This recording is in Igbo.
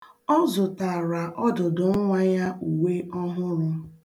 Ọ zụtaara ọdụdụ nwa ya uwe ọhụrụ.